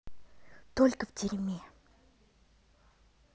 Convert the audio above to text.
только в дерьме